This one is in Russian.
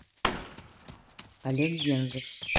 олег гензов